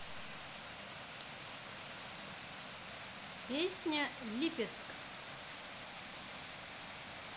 песня липецк